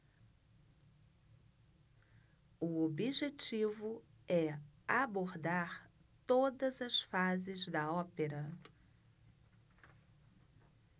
o objetivo é abordar todas as fases da ópera